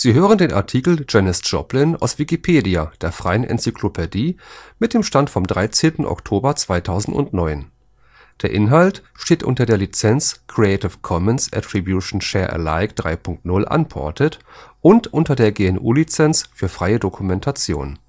hören den Artikel Janis Joplin, aus Wikipedia, der freien Enzyklopädie. Mit dem Stand vom Der Inhalt steht unter der Lizenz Creative Commons Attribution Share Alike 3 Punkt 0 Unported und unter der GNU Lizenz für freie Dokumentation